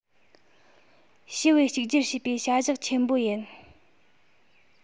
ཞི བས གཅིག གྱུར བྱེད པའི བྱ གཞག ཆེན པོ ཡིན